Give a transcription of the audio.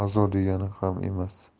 a'zo degani ham emas